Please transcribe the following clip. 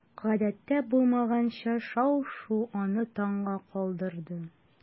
Гадәттә булмаганча шау-шу аны таңга калдырды.